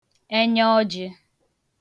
enyaọjị̄